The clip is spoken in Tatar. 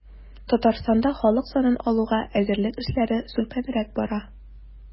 Татарстанда халык санын алуга әзерлек эшләре сүлпәнрәк бара.